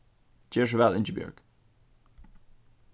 ger so væl ingibjørg